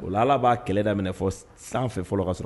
O la allah b'a kɛlɛ daminɛ fɔ sanfɛ fɔlɔ ka sɔrɔ